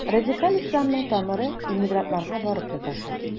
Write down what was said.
Радикаль исламның тамыры иммигрантларга барып тоташа.